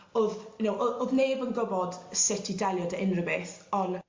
o'dd you know o- o'dd neb yn gwbod sut i delio 'dy unryw beth on'